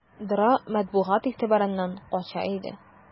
Дора матбугат игътибарыннан кача иде.